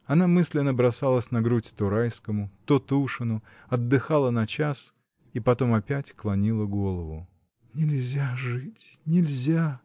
Она мысленно бросалась на грудь то Райскому, то Тушину, отдыхала на час и потом опять клонила голову. — Нельзя жить, нельзя!